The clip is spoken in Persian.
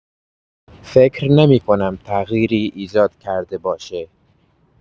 فکر نمی‌کنم تغییری ایجاد کرده باشه.